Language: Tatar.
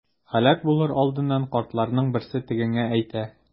Һәлак булыр алдыннан картларның берсе тегеңә әйтә.